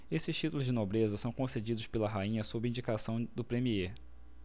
esses títulos de nobreza são concedidos pela rainha sob indicação do premiê